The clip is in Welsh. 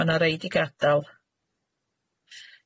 Ma' na rei di gadal.